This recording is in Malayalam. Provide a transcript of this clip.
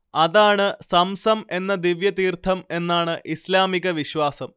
അതാണ് സംസം എന്ന ദിവ്യതീർത്ഥം എന്നാണ് ഇസ്ലാമിക വിശ്വാസം